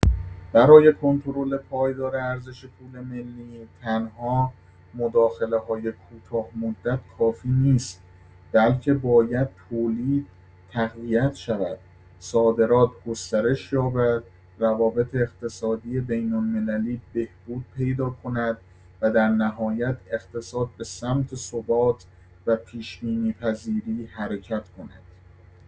برای کنترل پایدار ارزش پول ملی، تنها مداخله‌های کوتاه‌مدت کافی نیست، بلکه باید تولید تقویت شود، صادرات گسترش یابد، روابط اقتصادی بین‌المللی بهبود پیدا کند و در نهایت اقتصاد به سمت ثبات و پیش‌بینی‌پذیری حرکت کند.